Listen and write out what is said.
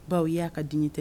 Baw y'a ka di tɛ